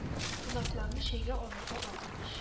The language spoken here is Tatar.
Кунакларны чәйгә алырга вакыт ич